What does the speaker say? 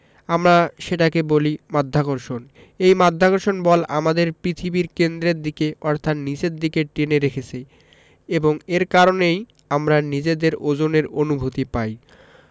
আমরা সেটাকে বলি মাধ্যাকর্ষণ এই মাধ্যাকর্ষণ বল আমাদের পৃথিবীর কেন্দ্রের দিকে অর্থাৎ নিচের দিকে টেনে রেখেছে এবং এর কারণেই আমরা নিজেদের ওজনের অনুভূতি পাই